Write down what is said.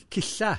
C- c- cilla!